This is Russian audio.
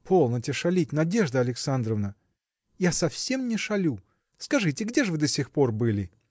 – Полноте шалить, Надежда Александровна! – Я совсем не шалю. Скажите, где ж вы до сих пор были?